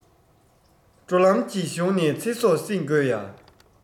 འགྲོ ལམ གྱི གཞུང ནས ཚེ སྲོག བསྲིང དགོས ཡ